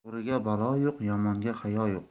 to'g'riga balo yo'q yomonda hayo yo'q